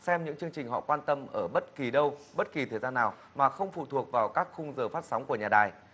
xem những chương trình họ quan tâm ở bất kỳ đâu bất kỳ thời gian nào mà không phụ thuộc vào các khung giờ phát sóng của nhà đài